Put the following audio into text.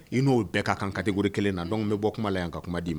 I n'o bɛɛ k'a kan ka diururi kelen na anw bɛ bɔ kuma la yan n ka kuma di'i